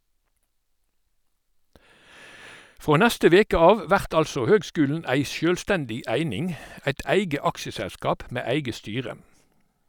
Frå neste veke av vert altså høgskulen ei sjølvstendig eining, eit eige aksjeselskap med eige styre.